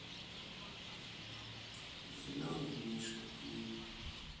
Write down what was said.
зеленый мишка клип